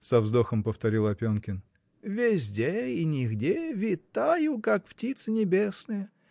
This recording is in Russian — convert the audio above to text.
— со вздохом повторил Опенкин, — везде и нигде, витаю, как птица небесная!